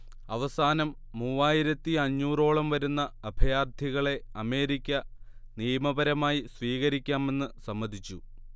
അവസാനം മൂവായിരത്തിയഞ്ഞൂറ് ഓളം വരുന്ന അഭയാർത്ഥികളെ അമേരിക്ക നിയമപരമായി സ്വീകരിക്കാം എന്നു സമ്മതിച്ചു